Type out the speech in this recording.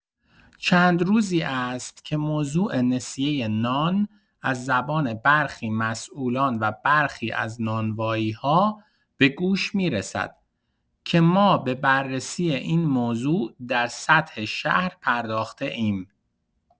چندروزی است که موضوع نسیه نان از زبان برخی مسئولان و برخی از نانوایی‌ها به گوش می‌رسد که ما به بررسی این موضوع در سطح شهر پرداخته‌ایم.